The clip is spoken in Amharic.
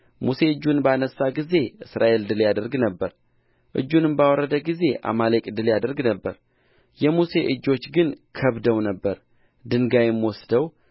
ሙሴ እጁን ባነሣ ጊዜ እስራኤል ድል ያደርግ ነበር እጁንም ባወረደ ጊዜ አማሌቅ ድል ያደርግ ነበር የሙሴ እጆች ግን ከብደው ነበር ድንጋይም ወሰዱ